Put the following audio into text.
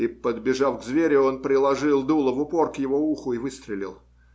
И подбежав к зверю, он приложил дуло в упор к его уху и выстрелил.